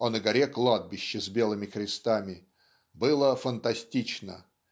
а на горе - кладбище с белыми крестами. Было фантастично.